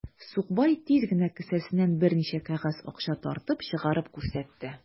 Сукбай тиз генә кесәсеннән берничә кәгазь акча тартып чыгарып күрсәтте.